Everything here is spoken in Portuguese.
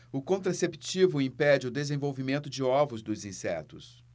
o contraceptivo impede o desenvolvimento de ovos dos insetos